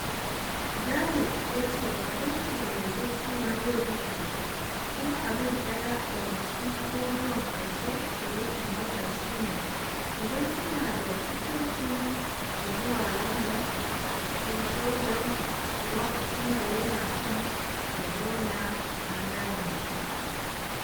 Daley ya ce baban shi bai yarda cewa zai mutu ba kuma abun daya daga cikin abubuwan karshe da ya tambaya shi ne idan su na da tiketin su zuwa Landan 2012 - tun da yana son ya zauna a layin gaba.